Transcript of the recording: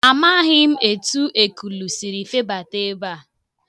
Amaghị m etụ ekulu siri febata ebea.